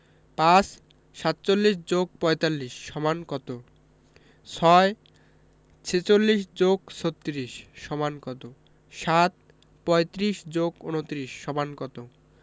৫ ৪৭ + ৪৫ = কত ৬ ৪৬ + ৩৬ = কত ৭ ৩৫ + ২৯ = কত